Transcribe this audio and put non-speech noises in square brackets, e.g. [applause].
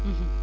[hesitation] [hesitation]